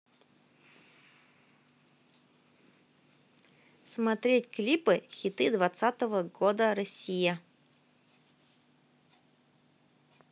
смотреть клипы хиты двадцатого года россия